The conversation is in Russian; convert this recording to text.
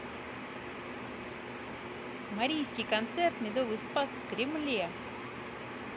марийский концерт медовый спас в кремле